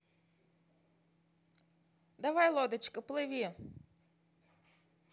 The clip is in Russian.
давай лодочка плыви